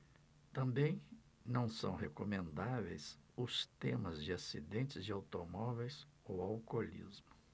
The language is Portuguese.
também não são recomendáveis os temas de acidentes de automóveis ou alcoolismo